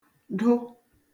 dụ